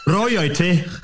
Ro i o i ti.